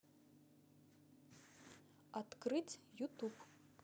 открыть ютуб